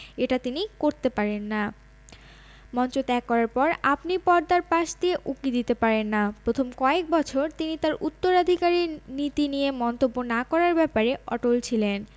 এটা তিনি করতে পারেন না মঞ্চ ত্যাগ করার পর আপনি পর্দার পাশ দিয়ে উঁকি দিতে পারেন না প্রথম কয়েক বছর তিনি তাঁর উত্তরাধিকারীর নীতি নিয়ে মন্তব্য না করার ব্যাপারে অটল ছিলেন